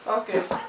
ok